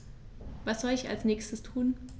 Was soll ich als Nächstes tun?